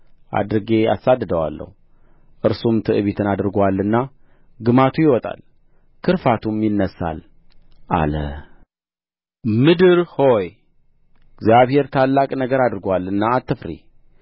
አድርጌ አሳድደዋለሁ እርሱም ትዕቢትን አድርጎአልና ግማቱ ይወጣል ክርፋቱም ይነሣል አለ ምድር ሆይ እግዚአብሔር ታላቅ ነገር አድርጎአልና አትፍሪ